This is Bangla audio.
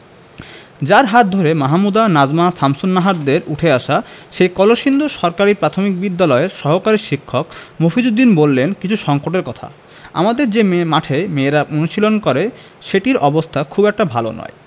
যাঁর হাত ধরে মাহমুদা নাজমা শামসুন্নাহারদের উঠে আসা সেই কলসিন্দুর সরকারি প্রাথমিক বিদ্যালয়ের সহকারী শিক্ষক মফিজ উদ্দিন বললেন কিছু সংকটের কথা আমাদের যে মাঠে মেয়েরা অনুশীলন করে সেটির অবস্থা খুব একটা ভালো নয়